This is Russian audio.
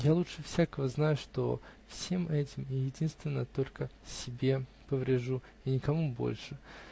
я лучше всякого знаю, что всем этим я единственно только себе поврежу и никому больше.